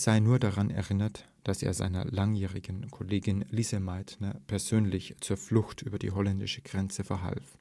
sei nur daran erinnert, dass er seiner langjährigen Kollegin Lise Meitner persönlich zur Flucht über die holländische Grenze verhalf.